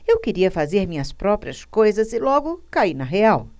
eu queria fazer minhas próprias coisas e logo caí na real